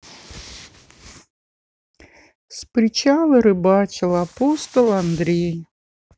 с причала рыбачил апостол андрей